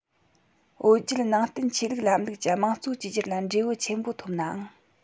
བོད བརྒྱུད ནང བསྟན ཆོས ལུགས ལམ ལུགས ཀྱི དམངས གཙོ བཅོས བསྒྱུར ལ འབྲས བུ ཆེན པོ ཐོབ ནའང